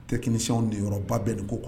A tɛiniw de yɔrɔba bɛɛ ko kɔnɔ